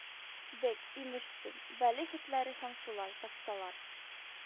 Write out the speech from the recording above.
Бек, имешсең, бәлех этләре һәм шулай: тапсалар